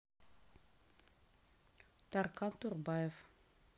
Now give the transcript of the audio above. tarkan турбаев